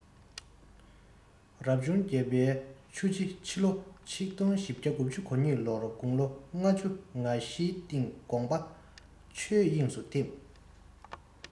རབ བྱུང བརྒྱད པའི ཆུ བྱི ཕྱི ལོ ༡༤༩༢ ལོར དགུང ལོ ལྔ བཅུ ང བཞིའི སྟེང དགོངས པ ཆོས དབྱིངས སུ འཐིམས